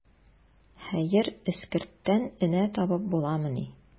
Хәер, эскерттән энә табып буламыни.